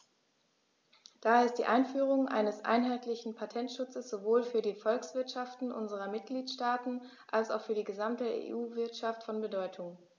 Daher ist die Einführung eines einheitlichen Patentschutzes sowohl für die Volkswirtschaften unserer Mitgliedstaaten als auch für die gesamte EU-Wirtschaft von Bedeutung.